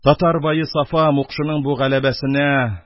Татар бае Сафа, мукшының бу галәбәсенә